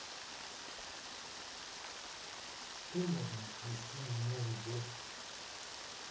что можно сплести на новый год